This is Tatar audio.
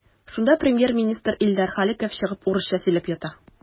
Шунда премьер-министр Илдар Халиков чыгып урысча сөйләп ята.